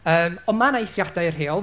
yym ond ma' 'na eithriadau i'r rheol.